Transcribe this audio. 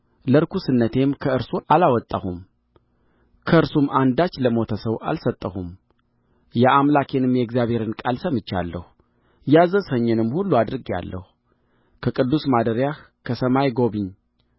ለርኵስነቴም ከእርሱ አላወጣሁም ከእርሱም አንዳች ለሞተ ሰው አልሰጠሁም የአምላኬንም የእግዚአሔርን ቃል ሰምቼአለሁ ያዘዝኸኝንም ሁሉ አድርጌአለሁ ከቅዱስ ማደሪያህ ከሰማይ ጐብኝ